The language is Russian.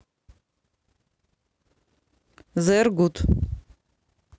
зергуд